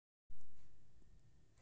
лучшие из лучших